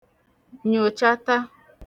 nyochata